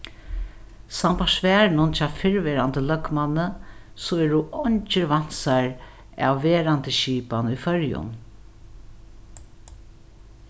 sambært svarinum hjá fyrrverandi løgmanni so eru eingir vansar av verandi skipan í føroyum